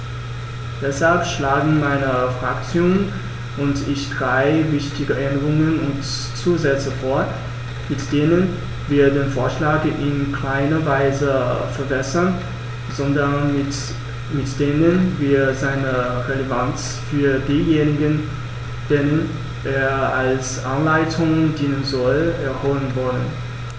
Deshalb schlagen meine Fraktion und ich drei wichtige Änderungen und Zusätze vor, mit denen wir den Vorschlag in keiner Weise verwässern, sondern mit denen wir seine Relevanz für diejenigen, denen er als Anleitung dienen soll, erhöhen wollen.